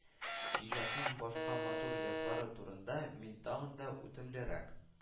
Иҗатының башка матур яклары турында мин тагын да үтемлерәк